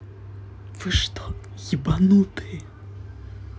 вы что ебанутые